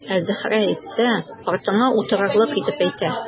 Ә Зөһрә әйтсә, артыңа утыртырлык итеп әйтә.